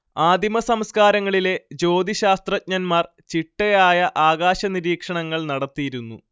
ആദിമസംസ്‌കാരങ്ങളിലെ ജ്യോതിശാസ്ത്രജ്ഞന്മാർ ചിട്ടയായ ആകാശനിരീക്ഷണങ്ങൾ നടത്തിയിരുന്നു